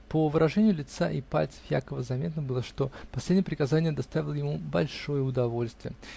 По выражению лица и пальцев Якова заметно было, что последнее приказание доставило ему большое удовольствие.